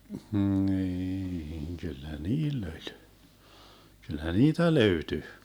niin kyllä niillä oli kyllä niitä löytyi